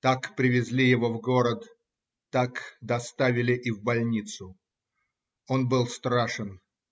Так привезли его в город, так доставили и в больницу. Он был страшен.